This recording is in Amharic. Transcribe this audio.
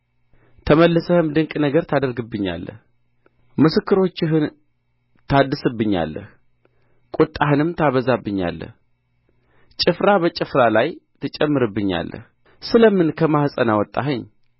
ተመልሰህም ድንቅ ነገር ታድርግብኛለህ ምስክሮችህን ታድስብኛለህ ቍጣህንም ታበዛብኛለህ ጭፍራ በጭፍራ ላይ ትጨምርብኛለህ ስለ ምን ከማኅፀን አወጣኸኝ